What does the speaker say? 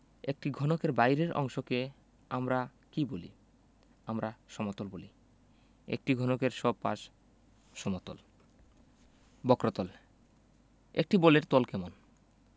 একটি ঘনকের বাইরের অংশকে আমরা কী বলি আমরা সমতল বলি একটি ঘনকের সব পাশ সমতল বক্রতলঃ একটি বলের তল কেমন